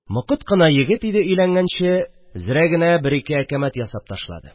Мокыт кына егет иде өйләнгәнче, зрә генә бер-ике әкәмәт ясап ташлады